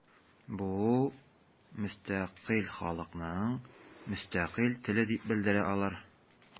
Бу – мөстәкыйль халыкның мөстәкыйль теле дип белдерә алар.